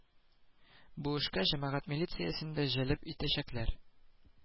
Бу эшкә җәмәгать милициясен дә җәлеп итәчәкләр